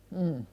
mm